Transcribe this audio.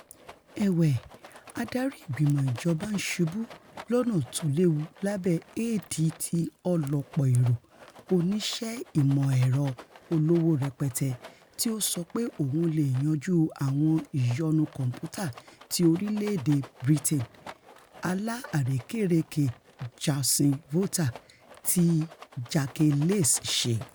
Ẹ̀wẹ̀, adarí ìgbìmọ̀ ìjọba ǹsubú lọ́nà tóléwu lábẹ̵́ èèdì ti ọlọ̀pọ̀-èrò oníṣẹ́ ìmọ̀-ẹ̀rọ olówó rẹpẹtẹ tí ó sọ pé òun leè yanjú awọn ìyọnu kọ̀m̀pútà ti orílẹ̀-èdè Britain: aláàrékérekè Jason Volta, tí Jake Lacy ṣe.